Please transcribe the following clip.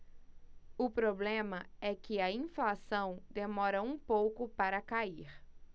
o problema é que a inflação demora um pouco para cair